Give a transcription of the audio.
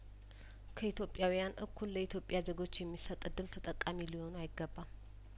ከኢትዮጵያውያን እኩል ለኢትዮጵያ ዜጐች የሚሰጥ እድል ተጠቃሚ ሊሆኑ አይገባም